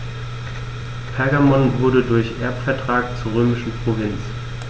Pergamon wurde durch Erbvertrag zur römischen Provinz.